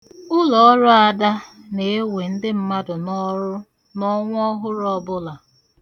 Ụlọọrụ Ada na-ewe ndị mmadụ n'ọrụ n'ọnwa ọhụrụ ọbụla.